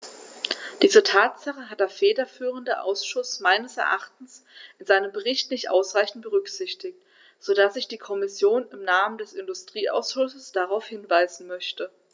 Diese Tatsache hat der federführende Ausschuss meines Erachtens in seinem Bericht nicht ausreichend berücksichtigt, so dass ich die Kommission im Namen des Industrieausschusses darauf hinweisen möchte.